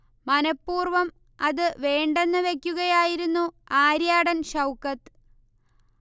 മനപ്പൂർവ്വം അത് വേണ്ടെന്ന് വയ്ക്കുകയായിരുന്നു ആര്യാടൻ ഷൗ്ക്കത്ത്